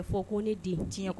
A fɔ ko ne den tiɲɛ kɔrɔ